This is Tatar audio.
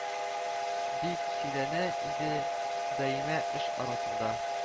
Дип сөйләнә иде даимә эш арасында